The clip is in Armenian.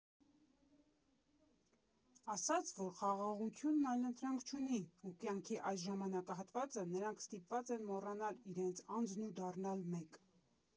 Ասաց, որ խաղաղությունն այլընտրանք չունի, ու կյանքի այս ժամանակահատվածը նրանք ստիպված են մոռանալ իրենց անձն ու դառնալ մեկ։